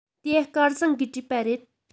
དེ སྐལ བཟང གིས བྲིས པ རེད